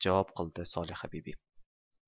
javob qildi solihabibi